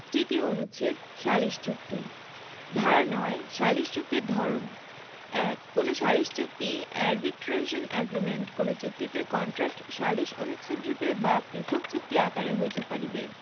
তৃতীয় অনুচ্ছেদ সালিস চুক্তি ধানা ৯ সালিস চুক্তির ধরণঃ ১ কোন সালিস চুক্তি আরবিট্রেশন এগ্রিমেন্ট কোন চুক্তিতে কন্ট্রাক্ট সালিস অনুচ্ছেদরূপে বা পৃথক চুক্তি আকারে হইতে পারিবে